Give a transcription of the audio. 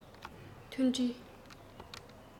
མཐུན སྒྲིལ